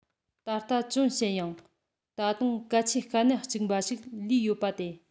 ད ལྟ ཅུང ཞན ཡང ད དུང གལ ཆེན དཀའ གནད གཅིག འབའ ཞིག ལུས ཡོད པ སྟེ